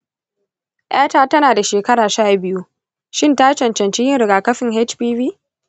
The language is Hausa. ‘yata tana da shekara sha biyu; shin ta cancanci yin rigakafin hpv?